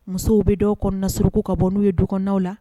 Musow bɛ dɔw kɔnɔna suruuguku ka bɔ n'u ye dukɔnɔnaw la